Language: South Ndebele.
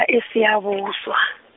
e- eSiyabuswa.